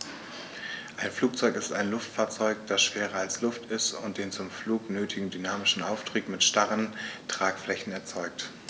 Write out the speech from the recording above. Ein Flugzeug ist ein Luftfahrzeug, das schwerer als Luft ist und den zum Flug nötigen dynamischen Auftrieb mit starren Tragflächen erzeugt.